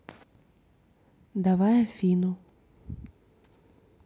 давай афину